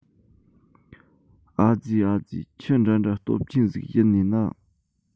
ཨ ཙེ ཨ ཙེ ཆི འདྲ འདྲ སྟོབས ཆེན ཟིག ཡིན ནིས ན